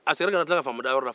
a seginna ka na faama da yɔrɔ la